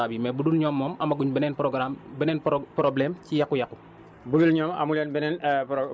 ndax ñoom ñoom ñooy suñu problème instant bii mais bu dul ñoom moom amaguñ beneen programme beneen problème ci yàqu-yàqu